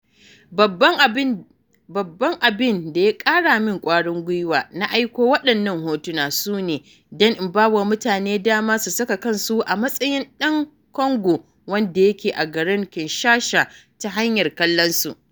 Babban abin da ya ƙaramin kwarin gwiwa na aiko waɗannan hotuna shine don in bawa mutane dama su sa kansu a matsayin ɗan Kongo, wanda yake a garin Kinshasa, ta hanyar kallonsu.